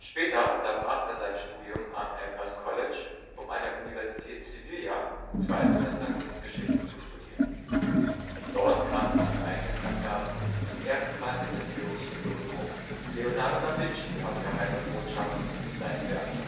Später unterbrach er sein Studium am Amherst College, um an der Universität Sevilla zwei Semester Kunstgeschichte zu studieren. Dort kam er nach eigenen Angaben zum ersten Mal mit der Theorie in Berührung, Leonardo da Vinci habe geheime Botschaften in seinen Werken